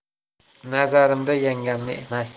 nazarimda yangamni emas